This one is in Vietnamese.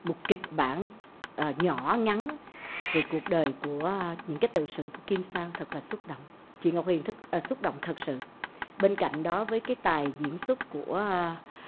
một kịch bản ờ nhỏ ngắn về cuộc đời của những cái tự sự của kim sang thật là xúc động chị ngọc huyền thức xúc động thật sự bên cạnh đó với cái tài diễn xuất của